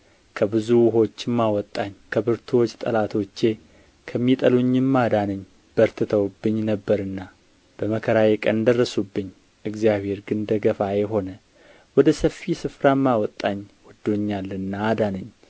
ከብዙ ውኆችም አወጣኝ ከብርቱዎች ጠላቶቼ ከሚጠሉኝም አዳነኝ በርትተውብኝ ነበርና በመከራዬ ቀን ደረሱብኝ እግዚአብሔር ግን ደገፋዬ ሆነ ወደ ሰፊ ስፍራም አወጣኝ ወድዶኛልና አዳነኝ